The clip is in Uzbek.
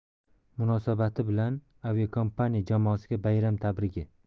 munosabati bilan aviakompaniya jamoasiga bayram tabrigi